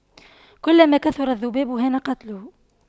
كلما كثر الذباب هان قتله